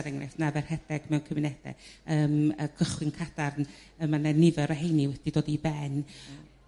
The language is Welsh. er enghraifft na'th e rhedeg mewn cymunede yrm y cychwyn cadarn yrr ma' 'na nifer o rheini wedi dod i ben.